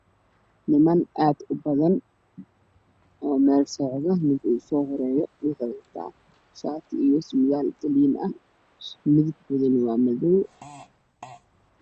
Niman aad ubadan oo mel socdo ninka udohorey waxow wata shati io sarwal tolin ah midbkodesa waa madow